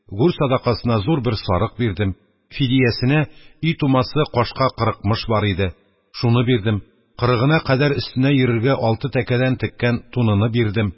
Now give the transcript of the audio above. Гүр сәдакасына зур бер сарык бирдем: фидиясенә, өй тумасы кашка кырыкмыш бар иде, шуны бирдем, кырыгына кадәр өстенә йөрергә алты тәкәдән теккән туныны бирдем.